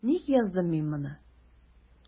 Ник яздым мин моны?